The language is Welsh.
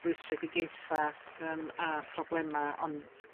rwystredigaetha yym a phroblema ond